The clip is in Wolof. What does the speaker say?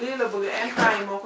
lii la bëgg intrant yi moo ko